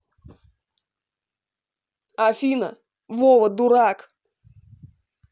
афина вова дурак